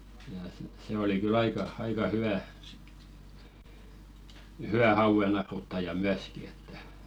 ja sitten se oli kyllä aika aika hyvä hyvä hauennaruttaja myöskin että